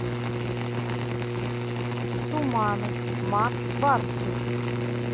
туманы макс барских